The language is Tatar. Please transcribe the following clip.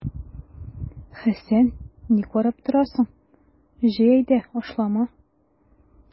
Хәсән, ни карап торасың, җый әйдә ашлама!